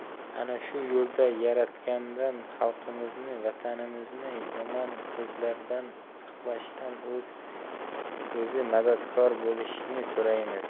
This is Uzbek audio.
ana shu yo'lda yaratgandan xalqimizni vatanimizni yomon ko'zlardan saqlashda o'zi madadkor bo'lishini so'raymiz